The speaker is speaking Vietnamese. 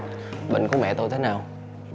bệnh của mẹ tôi thế nào